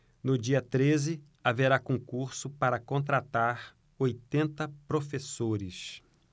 no dia treze haverá concurso para contratar oitenta professores